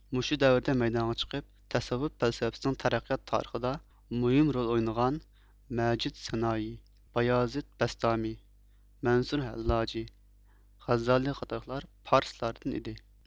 مۇشۇ دەۋردە مەيدانغا چىقىپ تەسەۋۋۇپ پەلسەپىسىنىڭ تەرەققىيات تارىخىدا مۇھىم رول ئوينىغان مەجىدسانائى بايازىد بەستامى مەنسۇرھەللاجى غەززالى قاتارلىقلار پارسلاردىن ئىدى